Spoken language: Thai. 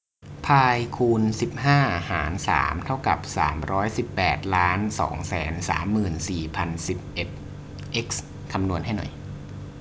พายคูณสิบห้าหารสามเท่ากับสามร้อยสิบแปดล้านสองแสนสามหมื่นสี่พันสิบเอ็ดเอ็กซ์คำนวณให้หน่อย